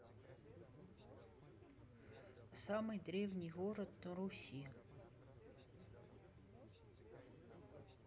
самый древний город на руси